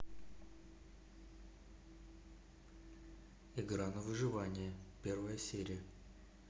игра на выживание первая серия